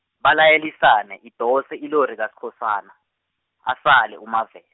balayelisane idose ilori kaSkhosana, asale uMave-.